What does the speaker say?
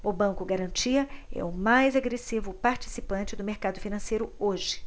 o banco garantia é o mais agressivo participante do mercado financeiro hoje